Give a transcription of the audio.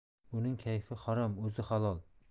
buning kayfi harom o'zi halol